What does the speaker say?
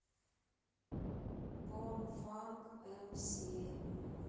бонфанк м си